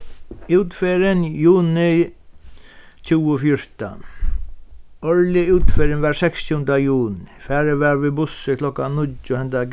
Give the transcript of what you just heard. útferðin juni tjúgu fjúrtan árliga útferðin var seksogtjúgunda juni farið varð við bussi klokkan níggju hendan